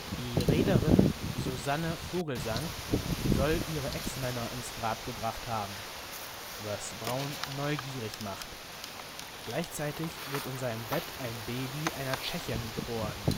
Die Reederin Susanna Vogelsang soll ihre Ex-Männer ins Grab gebracht haben, was Braun neugierig macht. Gleichzeitig wird in seinem Bett ein Baby einer Tschechin geboren